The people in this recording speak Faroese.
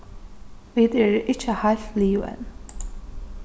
vit eru ikki heilt liðug enn